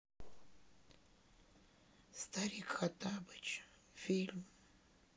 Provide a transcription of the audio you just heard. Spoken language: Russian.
старик хоттабыч фильм